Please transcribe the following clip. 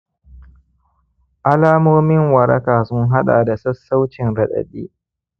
alamomin waraka sun haɗa da sassaucin raɗaɗi